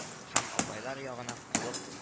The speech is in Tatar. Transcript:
Һәм апайлар ягына кулып